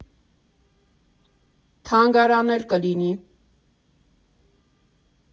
Թանգարան էլ կլինի։